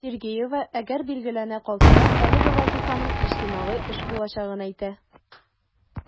Сергеева, әгәр билгеләнә калса, әлеге вазыйфаның иҗтимагый эш булачагын әйтә.